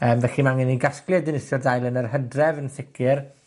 Yym, felly, ma' angen ni gasglu a dinistrio dail yn yr Hydref, yn sicir.